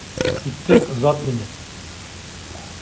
Киттек, озат мине.